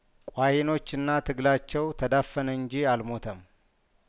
ቋሂኖችና ትግላቸው ተዳፈነ እንጂ አልሞተም